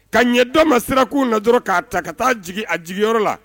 Ka ɲɛ dɔn ma sirakun na dɔrɔ. ka ta ka taa jigin a jigiyɔrɔ la.